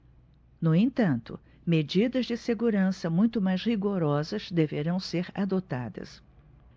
no entanto medidas de segurança muito mais rigorosas deverão ser adotadas